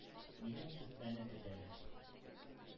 Минем тетмәне тетәләр.